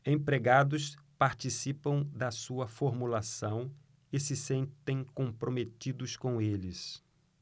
empregados participam da sua formulação e se sentem comprometidos com eles